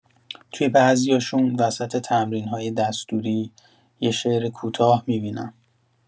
توی بعضیاشون، وسط تمرین‌های دستوری، یه شعر کوتاه می‌بینم.